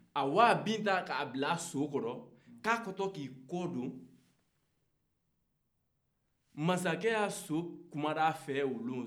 a talen bin ta ka bila so kɔrɔ ka bi kodɔn mansacɛ ka so kumana a fɛ o dɔn